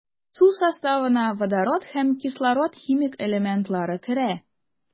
Су составына водород һәм кислород химик элементлары керә.